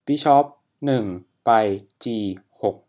บิชอปหนึ่งไปจีหก